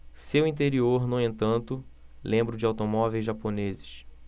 seu interior no entanto lembra o de automóveis japoneses